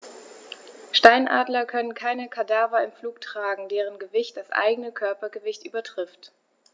Steinadler können keine Kadaver im Flug tragen, deren Gewicht das eigene Körpergewicht übertrifft.